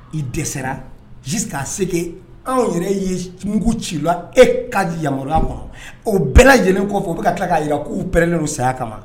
I dɛsɛ sisan k'a se anw yɛrɛ ye mugu ci la e ka ya ma o bɛɛ lajɛlenlen kɔ fɔ o bɛka ka tila k'a jira k'u bɛɛnen u saya kama